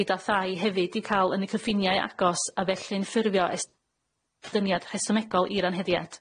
gyda thai hefyd i' ca'l yn y cyffiniau agos a felly'n ffurfio es- dyniad rhesymegol i'r anheddiad.